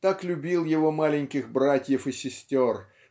так любил его маленьких братьев и сестер